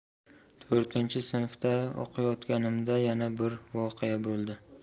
to'rtinchi sinfda o'qiyotganimda yana bir voqea bo'ldi